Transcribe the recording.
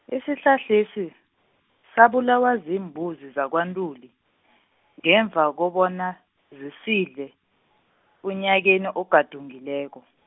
isihlahlesi, sabulawa ziimbuzi zakwaNtuli, ngemva kobana zisidle, unyakeni ogadungileko.